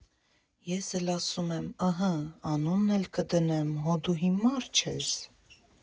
Ես էլ ասում եմ ՝ ըհը, անունն էլ կդնեմ՝ «հո դու հիմա՞ր չես»։